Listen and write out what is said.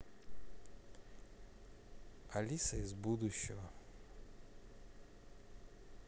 алиса из будущего